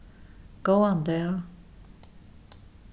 góðan dag